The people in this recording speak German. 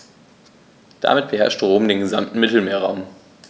Damit beherrschte Rom den gesamten Mittelmeerraum.